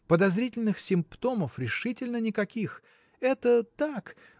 Подозрительных симптомов решительно никаких! Это так.